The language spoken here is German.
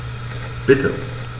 Bitte.